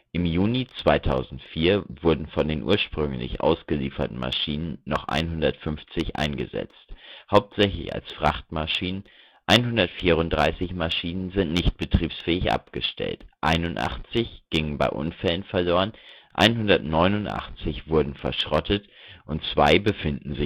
Im Juni 2004 wurden von den ursprünglich ausgelieferten Maschinen noch 150 eingesetzt, hauptsächlich als Frachtmaschinen, 134 Maschinen sind nicht betriebsfähig abgestellt, 81 gingen bei Unfällen verloren, 189 wurden verschrottet und 2 befinden